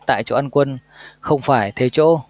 tại chỗ ăn quân không phải thế chỗ